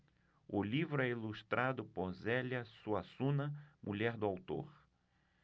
o livro é ilustrado por zélia suassuna mulher do autor